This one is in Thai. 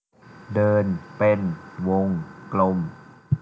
เดินเป็นวงกลม